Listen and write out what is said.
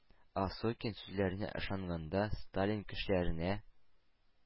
Осокин сүзләренә ышанганда, Сталин кешеләренә,